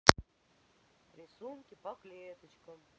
рисунки по клеточкам